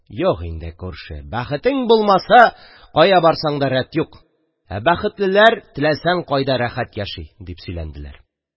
Юк инде, күрше, бәхетең булмаса, кая барсаң да рәт юк; ә бәхетлеләр теләсәң кайда рәхәт яши, – дип сөйләнделәр.